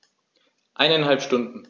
Eineinhalb Stunden